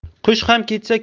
qush ham ketsa